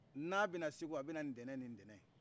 n'a bɛ na segu a bɛ na n'tɛnɛn ni n'tɛnɛn